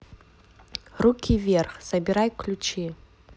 руки вверх забирай ключи